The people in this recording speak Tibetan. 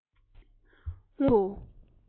ངུ སྐད གཅིག དང མཉམ དུ